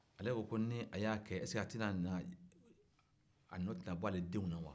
ale ko ko n'ale ya kɛ esike a nɔ tɛ bɔ ale denw na wa